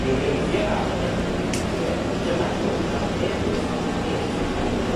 i wreiddie bach fel hyn neu rhedwyr. Dyma sswt ma'r mefus yn hedu planhigion,